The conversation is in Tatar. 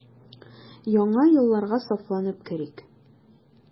Яңа елларга сафланып керик.